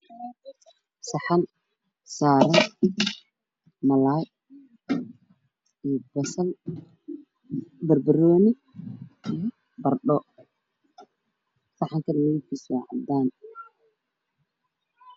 Saxan saaran malaay iyo basal, banbanooni iyo baradho saxanku waa cadaan.